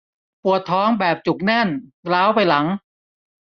ปวดท้องแบบจุกแน่นร้าวไปหลัง